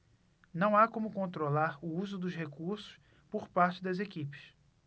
não há como controlar o uso dos recursos por parte das equipes